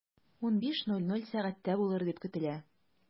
15.00 сәгатьтә булыр дип көтелә.